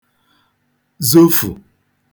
zofụ̀